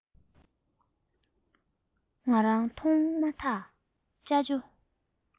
ང རང མཐོང མ ཐག ཅ ཅོ